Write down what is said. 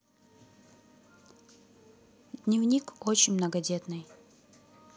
дневник очень многодетной